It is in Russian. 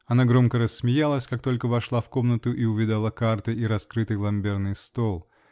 Она громко рассмеялась, как только вошла в комнату и увидала карты и раскрытый ломберный стол.